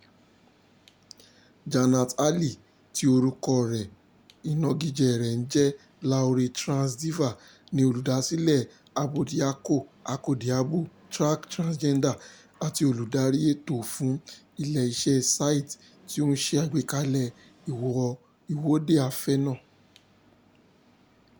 Jannat Ali, tí orúkọ ìnagijẹ rẹ̀ ń jẹ́ Lahore's Trans Diva, ni olùdásílẹ̀ Abódiakọ-akọ́diabo Track Transgender àti Olùdarí Ètò fún Ilé-iṣẹ́ Sathi tí ó ṣe àgbékalẹ̀ Ìwọ́de Afẹ́ náà.